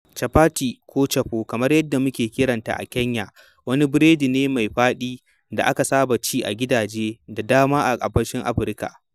Chapati ko “chapo”, kamar yadda muke kiran ta a Kenya, wani biredi ne mai faɗi da aka saba ci a gidaje da dama a Gabashin Afirka.